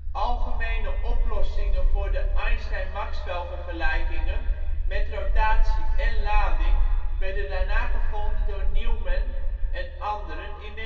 Algemene oplossingen voor de Einstein-Maxwell vergelijkingen met rotatie én lading werden daarna gevonden door Newman en anderen in 1965